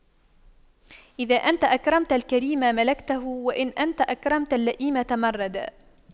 إذا أنت أكرمت الكريم ملكته وإن أنت أكرمت اللئيم تمردا